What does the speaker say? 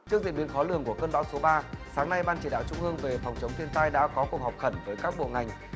trước diễn biến khó lường của cơn bão số ba sáng nay ban chỉ đạo trung ương về phòng chống thiên tai đã có cuộc họp khẩn với các bộ ngành